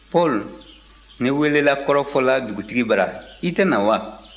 paul ne welela kɔrɔfɔ la dugutigi bara i tɛ na wa